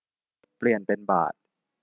เปลี่ยนเป็นบาท